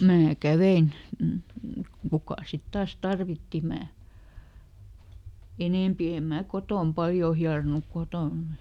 minä kävin kuka sitten taas tarvitsi minä enempi en minä kotona paljon hieronut kotona